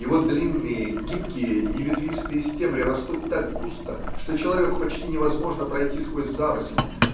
Его длинные, гибкие, неветвистые стебли растут так густо, что человеку почти невозможно пройти сквозь заросль